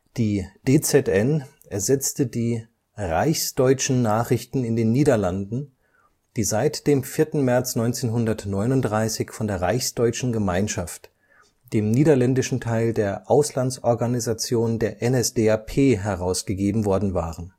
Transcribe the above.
Die DZN ersetzte die Reichsdeutschen Nachrichten in den Niederlanden, die seit dem 4. März 1939 von der Reichsdeutschen Gemeinschaft, dem niederländischen Teil der Auslandsorganisation der NSDAP, herausgegeben worden waren